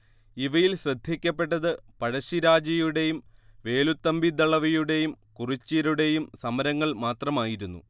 ഇവയിൽ ശ്രദ്ധിക്കപ്പെട്ടത് പഴശ്ശിരാജയുടേയും വേലുത്തമ്പിദളവയുടേയും കുറിച്യരുടേയും സമരങ്ങൾ മാത്രമായിരുന്നു